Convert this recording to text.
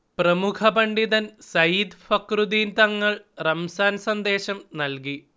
പ്രമുഖ പണ്ഡിതൻ സയ്യിദ് ഫഖ്റുദ്ദീൻ തങ്ങൾ റംസാൻ സന്ദേശം നൽകി